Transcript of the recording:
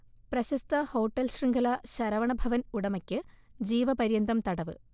പ്രശസ്ത ഹോട്ടൽ ശൃംഖല ശരവണഭവൻ ഉടമയ്ക്ക് ജീവപര്യന്തം തടവ്